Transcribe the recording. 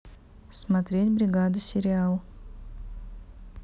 смотреть бригада сериал